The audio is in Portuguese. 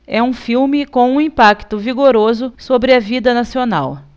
é um filme com um impacto vigoroso sobre a vida nacional